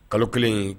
Kalo kelen